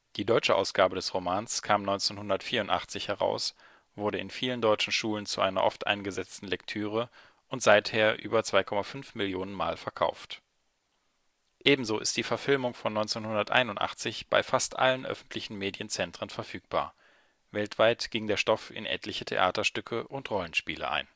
Die deutsche Ausgabe des Romans kam 1984 heraus, wurde in vielen deutschen Schulen zu einer oft eingesetzten Lektüre und seither über 2,5 Millionen Mal verkauft. Ebenso ist die Verfilmung von 1981 bei fast allen öffentlichen Medienzentren verfügbar. Weltweit ging der Stoff in etliche Theaterstücke und Rollenspiele ein